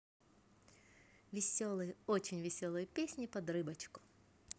веселые очень веселые песни под рыбочку